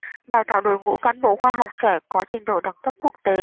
đào tạo đội ngũ cán bộ khoa học trẻ có trình độ đẳng cấp quốc tế